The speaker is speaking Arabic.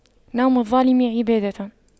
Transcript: نوم الظالم عبادة